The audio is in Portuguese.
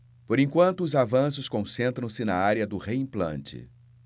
por enquanto os avanços concentram-se na área do reimplante